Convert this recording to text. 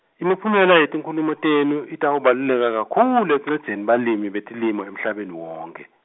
imiphumela yetinkhulumo tenu itawubaluleka kakhulu ekuncendzeni balirni betilimo emhlabeni wonkhe.